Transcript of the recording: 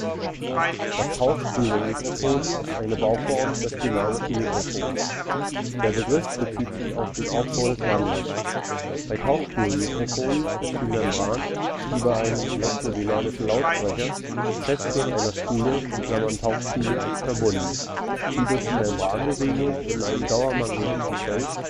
Das Tauchspulenmikrofon ist eine Bauform des dynamischen Mikrofons. Der Begriff bezieht sich auf den Aufbau des Wandlers: Bei Tauchspulmikrofonen ist die Membran wie bei einem elektrodynamischen Lautsprecher fest mit einer Spule (Tauchspule) verbunden, die durch die Membranbewegung in einem dauermagnetischen Feld